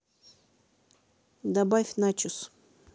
добавь начос